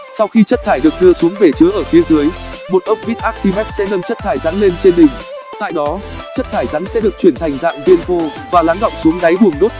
sau khi chất thải được đưa xuống bể chứa ở phía dưới một ốc vít archimedes sẽ nâng chất thải rắn lên trên đỉnh tại đó chất thải rắn sẽ được chuyển thành dạng viên khô và lắng đọng xuống đáy buồng đốt